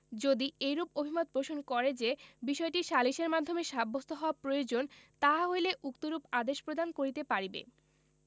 যদি এইরূপ অভিমত পোষণ করে যে বিষয়টি সালিসের মাধ্যমে সাব্যস্ত হওয়া প্রয়োজন তাহা হইলে উক্তরূপ আদেশ প্রদান করিতে পারিবে